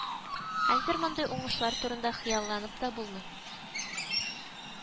Хәзер мондый уңышлар турында хыялланып та булмый